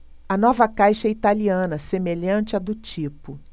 a nova caixa é italiana semelhante à do tipo